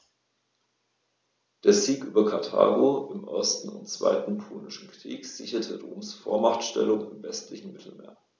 Der Sieg über Karthago im 1. und 2. Punischen Krieg sicherte Roms Vormachtstellung im westlichen Mittelmeer.